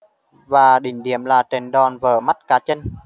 và đỉnh điểm là trận đòn vỡ mắt cá chân